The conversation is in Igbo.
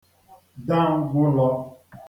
dà ngwụlọ̄